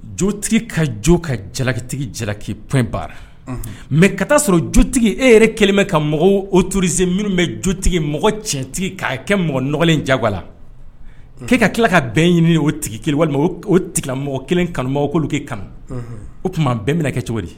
Jotigi ka jo ka jalakitigi jalakip baara mɛ ka taa sɔrɔ jotigi e yɛrɛ kelen bɛ ka mɔgɔw otourrisise minnu bɛ jotigi mɔgɔ cɛntigi k' kɛ mɔgɔ nɔgɔlen jawa la k' ka tila ka bɛn ɲini o tigi walima o tigila mɔgɔ kelen kanu ma o'olu kɛ kanu o tuma bɛn bɛna kɛ cogo di